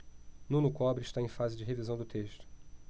nuno cobra está em fase de revisão do texto